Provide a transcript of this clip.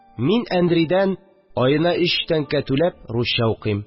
Мин Андрейдән, аена өч тәңкә түләп, русча укыйм